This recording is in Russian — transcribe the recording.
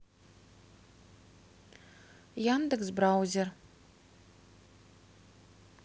яндекс браузер